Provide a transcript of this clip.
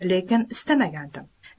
lekin istamagandim